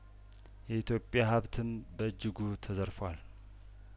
የኢትዮጵያ ሀብትም በእጅጉ ተዘርፏል